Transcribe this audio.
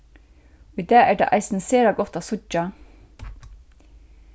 í dag er tað eisini sera gott at síggja